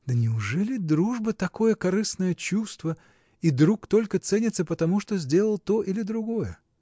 — Да неужели дружба такое корыстное чувство и друг только ценится потому, что сделал то или другое?